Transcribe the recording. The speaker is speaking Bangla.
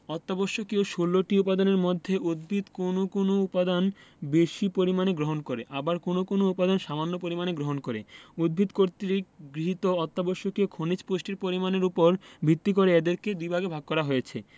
অত্যাবশ্যকীয় ১৬ টি উপাদানের মধ্যে উদ্ভিদ কোনো কোনো উপাদান বেশি পরিমাণে গ্রহণ করে আবার কোনো কোনো উপাদান সামান্য পরিমাণে গ্রহণ করে উদ্ভিদ কর্তৃক গৃহীত অত্যাবশ্যকীয় খনিজ পুষ্টির পরিমাণের উপর ভিত্তি করে এদেরকে দুইভাগে ভাগ করা হয়েছে